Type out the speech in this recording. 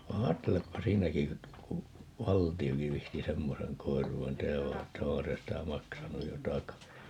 vaan ajattelepa siinäkin kun valtiokin viitsi semmoisen koiruuden tehdä vaan että onhan se sitä maksanut jo takaisin